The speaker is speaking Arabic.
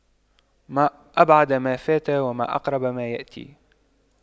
ما أبعد ما فات وما أقرب ما يأتي